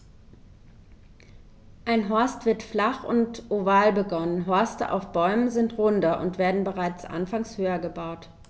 Ein Horst wird flach und oval begonnen, Horste auf Bäumen sind runder und werden bereits anfangs höher gebaut.